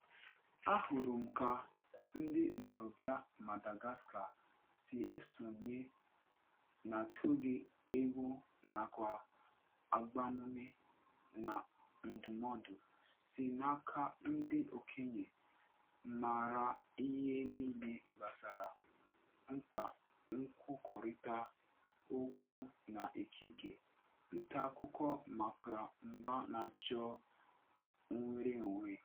A hụrụ m ka ndị ntorobịa Madagascar sị esonye n'atụghị egwu nakwa agbamume na ndụmọdụ sị n'aka ndị okenye maara ihe niile gbasara mkpa nkwukọrịta okwu na ikike ntaakụkọ maka mba na-achọ nnwereonwe.